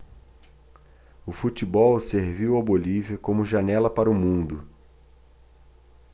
o futebol serviu à bolívia como janela para o mundo